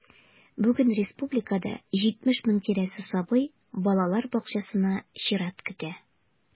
Бүген республикада 70 мең тирәсе сабый балалар бакчасына чират көтә.